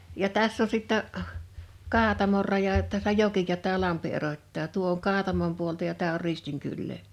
ja tässä on sitten Kaatamon raja tässä joki ja tämä lampi erottaa tuo on Kaatamon puolta ja tämä on Ristin kylää